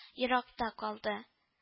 Еракта калды